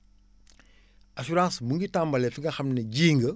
assurance mu nga tàmbalee fi nga xam ne ji nga